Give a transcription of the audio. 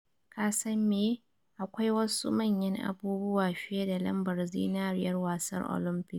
“Ka san meye, akwai wasu manyan abubuwa fiye da lambar zinariyar wasar Olympics.